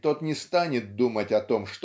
тот не станет думать о том